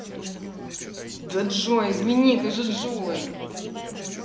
да джой извини ты же джой